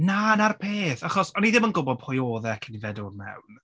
Na 'na'r peth achos o'n i ddim yn gwybod pwy oedd e cyn i fe ddod mewn.